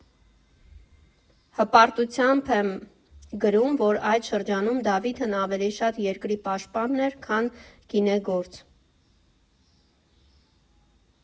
Հպարտությամբ եմ գրում, որ այդ շրջանում Դավիթն ավելի շատ երկրի պաշտպան էր, քան գինեգործ։